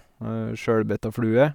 Sjølbetta flue.